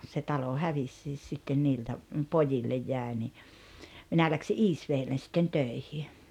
se talo hävisikin sitten niiltä pojille jäi niin minä lähdin Iisvedelle sitten töihin